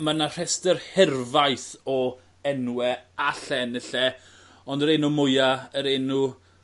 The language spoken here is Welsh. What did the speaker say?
Ma' 'na rhestur hirfaith o enwe all ennill e ond yr enw mwya yr enw